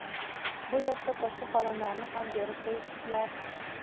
bu yoqda poshsha xolamlarni ham berib qo'yibsizlar